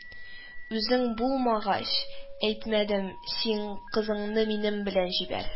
Үзең булмагач, әйтмәдем, син кызыңны минем белән җибәр